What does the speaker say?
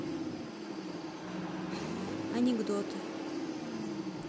анекдоты